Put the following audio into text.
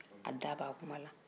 a da bɛ a kuma na